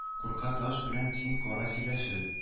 Курка таш белән син кара сөйләшеп